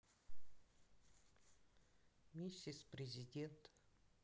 миссис президент